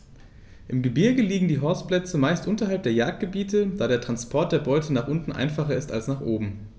Im Gebirge liegen die Horstplätze meist unterhalb der Jagdgebiete, da der Transport der Beute nach unten einfacher ist als nach oben.